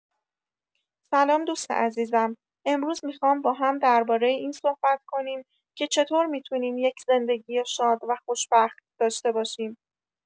سلام دوست عزیزم، امروز می‌خوام با هم درباره این صحبت کنیم که چطور می‌تونیم یک زندگی شاد و خوشبخت داشته باشیم.